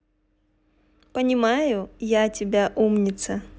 понимаю я тебя умница